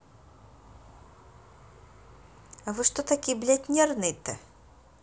а вы что такие блядь нервные то